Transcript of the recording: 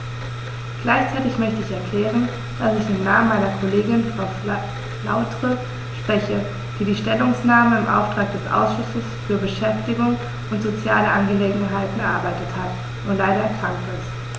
Gleichzeitig möchte ich erklären, dass ich im Namen meiner Kollegin Frau Flautre spreche, die die Stellungnahme im Auftrag des Ausschusses für Beschäftigung und soziale Angelegenheiten erarbeitet hat und leider erkrankt ist.